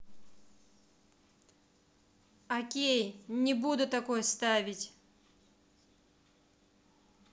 окей не буду такое ставить